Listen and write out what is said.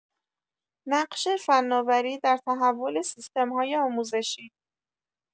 نقش فناوری در تحول سیستم‌های آموزشی